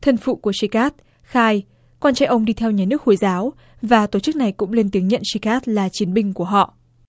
thân phụ của chê cát khai con trai ông đi theo nhà nước hồi giáo và tổ chức này cũng lên tiếng nhận chê cát là chiến binh của họ